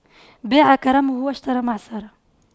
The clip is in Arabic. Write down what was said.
باع كرمه واشترى معصرة